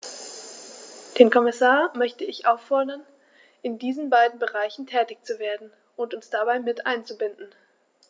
Den Kommissar möchte ich auffordern, in diesen beiden Bereichen tätig zu werden und uns dabei mit einzubinden.